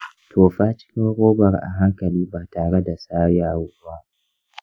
tofa cikin robar a hankali ba tare da sa yawu ba.